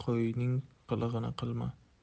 qo'yning qilig'ini qilma